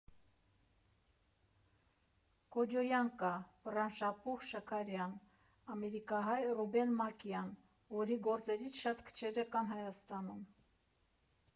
Կոջոյան կա, Վռամշապուհ Շաքարյան, ամերիկահայ Ռուբեն Մակյան, որի գործերից շատ քչերը կան Հայաստանում։